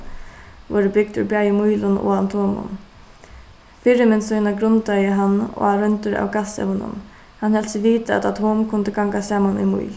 vórðu bygd úr bæði mýlum og fyrimynd sína grundaði hann á royndir av gassevnum hann helt seg vita at atom kundi ganga saman í mýl